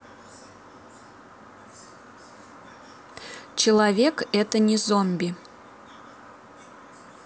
человек это не zombie